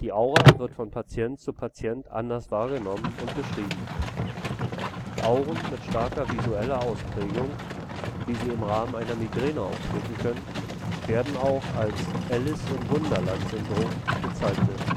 Aura wird von Patient zu Patient anders wahrgenommen und beschrieben. Auren mit stark visueller Ausprägung, wie sie im Rahmen einer Migräne auftreten können, werden auch als Alice-im-Wunderland-Syndrom bezeichnet